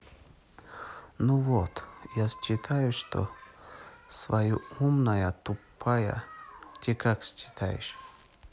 ну вот я считаю что свою умная тупая ты как считаешь